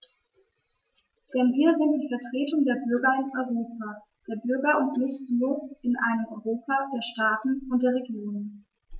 Denn wir sind die Vertreter der Bürger im Europa der Bürger und nicht nur in einem Europa der Staaten und der Regionen.